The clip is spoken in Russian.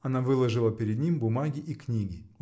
Она выложила перед ним бумаги и книги.